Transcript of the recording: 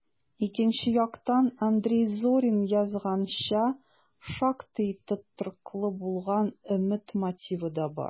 Икенче яктан, Андрей Зорин язганча, шактый тотрыклы булган өмет мотивы да бар: